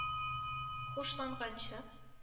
Хушланганчы